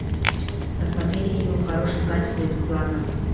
посмотреть фильмы в хорошем качестве бесплатно